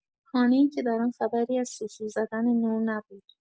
خانه‌ای که در آن خبری از سوسو زدن نور نبود.